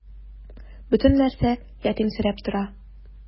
Бөтен нәрсә ятимсерәп тора.